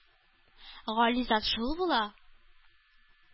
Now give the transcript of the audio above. Гали зат шул була...